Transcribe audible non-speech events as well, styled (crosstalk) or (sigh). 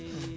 (hesitation) (hesitation)